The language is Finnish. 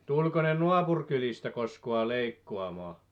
tuliko ne naapurikylistä koskaan leikkaamaan